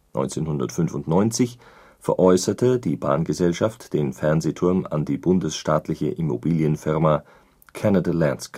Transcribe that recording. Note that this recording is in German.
1995 veräußerte die Bahngesellschaft den Fernsehturm an die bundesstaatliche Immobilienfirma Canada Lands